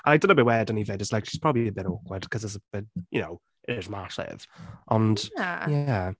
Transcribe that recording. Dyna be wedon ni 'fyd, it's like she's probably a bit awkward 'cause it’s a bit... you know, it is massive. Ond... Ie... Ie.